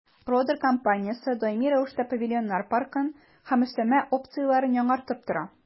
«родер» компаниясе даими рәвештә павильоннар паркын һәм өстәмә опцияләрен яңартып тора.